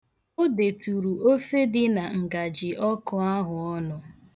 O detụrụ ofe dị na ngajị ọkụ ahụ ọnụ.